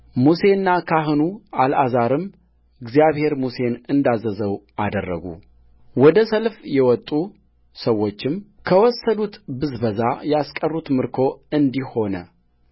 ሙሴና ካህኑ አልዓዛርም እግዚአብሔር ሙሴን እንዳዘዘው አደረጉወደ ሰልፍ የወጡ ሰዎችም ከወሰዱት ብዝበዛ ያስቀሩት ምርኮ እንዲህ ሆነ